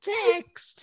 Text!